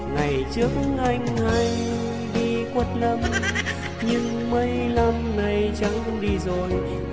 ngày trước anh hay đi quất lâm nhưng mấy năm nay chẳng đi rồi